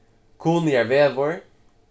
kunoyarvegur